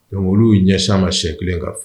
Donc olu y'u ɲɛsin a ma siɲɛ kelen ka